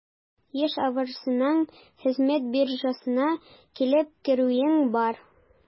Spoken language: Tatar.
Еш авырсаң, хезмәт биржасына килеп керүең бар.